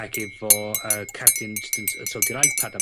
ac efo y cardyn instant yy t'od i'r iPad a...